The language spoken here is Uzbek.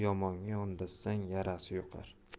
yomonga yondashsang yarasi yuqar